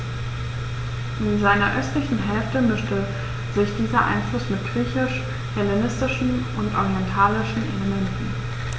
In seiner östlichen Hälfte mischte sich dieser Einfluss mit griechisch-hellenistischen und orientalischen Elementen.